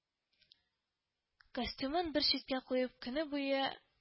Костюмын бер читкә куеп көне буе